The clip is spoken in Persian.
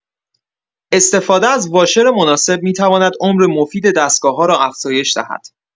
استفاده از واشر مناسب می‌تواند عمر مفید دستگاه‌ها را افزایش دهد.